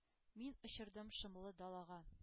Мин очырдым шомлы далага,